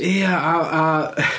Ie, a a...